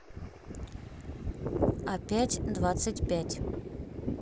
опять двадцать пять